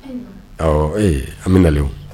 Awɔ Ee an bi nalen wo